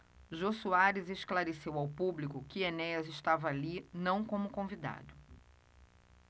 jô soares esclareceu ao público que enéas estava ali não como convidado